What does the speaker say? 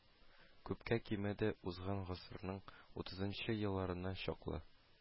Күпкә кимеде, узган гасырның утызынчы елларына чаклы